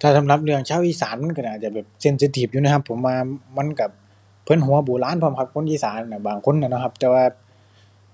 ถ้าสำหรับเรื่องชาวอีสานมันก็น่าจะแบบเซนซิทิฟอยู่นะครับผมว่า มันก็ เพิ่นหัวโบราณพร้อมครับ คนอีสานแบบบางคนนั้นเนาะครับ แต่ว่า